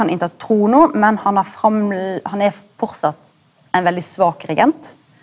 han overtek trona men han har han er framleis ein veldig svak regent.